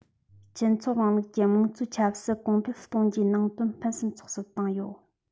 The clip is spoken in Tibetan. སྤྱི ཚོགས རིང ལུགས ཀྱི དམངས གཙོའི ཆབ སྲིད གོང འཕེལ གཏོང རྒྱུའི ནང དོན ཕུན སུམ ཚོགས སུ བཏང ཡོད